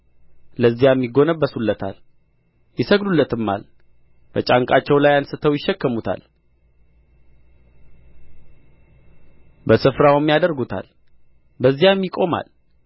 ለዚያም ይጐነበሱለታል ይሰግዱለትማል በጫንቃቸው ላይ አንሥተው ይሸከሙታል በስፍራውም ያደርጉታል በዚያም ይቆማል